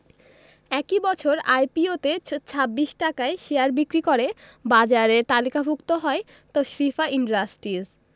একই বছর আইপিওতে ২৬ টাকায় শেয়ার বিক্রি করে বাজারে তালিকাভুক্ত হয় তশরিফা ইন্ডাস্ট্রিজ